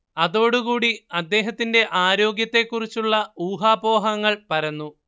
അതോടുകൂടി അദ്ദേഹത്തിൻറെ ആരോഗ്യത്തെ കുറിച്ചുള്ള ഊഹാപോഹങ്ങൾ പരന്നു